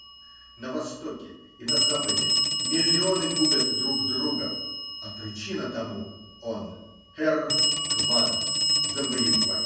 На востоке и на западе миллионы губят друг друга, а причина тому -- он, херр Квада-завоеватель.